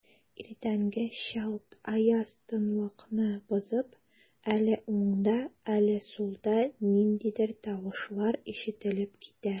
Иртәнге чалт аяз тынлыкны бозып, әле уңда, әле сулда ниндидер тавышлар ишетелеп китә.